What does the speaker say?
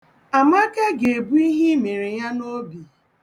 Amaka ga-ebu ihe i mere ya n'obi.